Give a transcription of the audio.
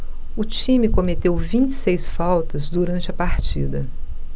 o time cometeu vinte e seis faltas durante a partida